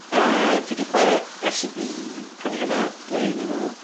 A dwi 'di chware... Ers i fi prynu hwnna blwyddyn yn ôl